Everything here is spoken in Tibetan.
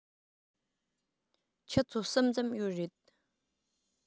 ཆུ ཚོད གསུམ ཙམ ཡོད རེད